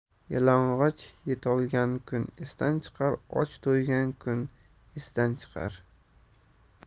yalang'och yetolgan kun esdan chiqar och to'ygan kun esdan chiqar